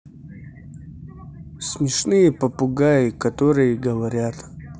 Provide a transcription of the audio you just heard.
смешные попугаи которые говорят